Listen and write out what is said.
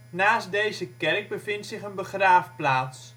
Naast deze kerk bevindt zich een begraafplaats